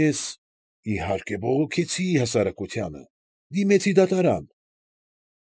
Ես, իհարկե, բողոքեցի հասարակությանը, դիմեցի դատարանին։